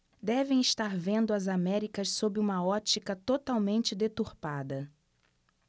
devem estar vendo as américas sob uma ótica totalmente deturpada